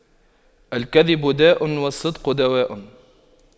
الكذب داء والصدق دواء